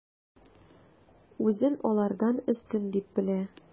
Үзен алардан өстен дип белә.